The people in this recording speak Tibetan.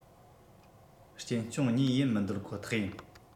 གཅེན གཅུང གཉིས ཡིན མི འདོད ཁོ ཐག ཡིན